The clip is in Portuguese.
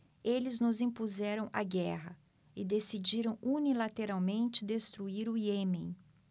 eles nos impuseram a guerra e decidiram unilateralmente destruir o iêmen